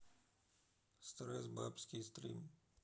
стресс бабский стрим